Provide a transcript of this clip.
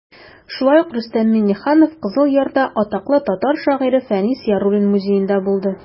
Шулай ук Рөстәм Миңнеханов Кызыл Ярда атаклы татар шагыйре Фәнис Яруллин музеенда булды.